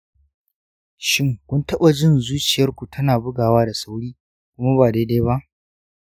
shin, kun taɓa jin zuciyar ku tana bugawa da sauri kuma ba daidai ba?